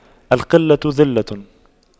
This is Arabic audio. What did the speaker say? القلة ذلة